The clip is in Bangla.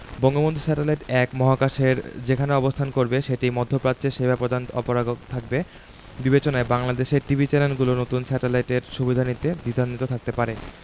বঙ্গবন্ধু স্যাটেলাইট ১ মহাকাশের যেখানে অবস্থান করবে সেটি মধ্যপ্রাচ্যে সেবা প্রদানে অপরাগগ থাকবে বিবেচনায় বাংলাদেশের টিভি চ্যানেলগুলো নতুন স্যাটেলাইটের সুবিধা নিতে দ্বিধান্বিত থাকতে পারে